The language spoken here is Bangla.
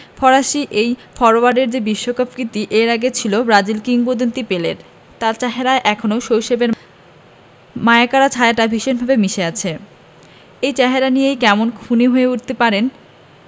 ফরাসি এই ফরোয়ার্ডের যে বিশ্বকাপ কীর্তি এর আগে ছিল ব্রাজিল কিংবদন্তি পেলের তাঁর চেহারায় এখনো শৈশবের মায়াকাড়া ছায়াটা ভীষণভাবে মিশে আছে এই চেহারা নিয়েই কেমন খুনে হয়ে উঠতে পারেন